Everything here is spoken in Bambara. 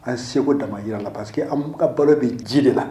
An ye segu dama jira la parce que a ka balo bɛ ji de la